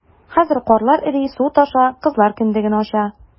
Хәзер карлар эри, су таша - кызлар кендеген ача...